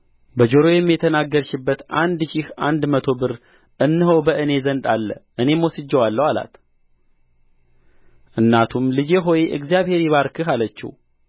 በጆሮዬም የተናገርሽበት አንድ ሺህ አንድ መቶ ብር እነሆ በእኔ ዘንድ አለ እኔም ወስጄዋለሁ አላት እናቱም ልጄ ሆይ እግዚአብሔር ይባርክህ አለችው